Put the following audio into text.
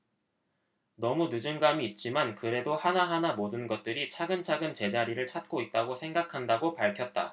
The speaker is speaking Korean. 너무 늦은감이 있지만 그래도 하나하나 모든 것들이 차근차근 제자리를 찾고 있다고 생각한다고 밝혔다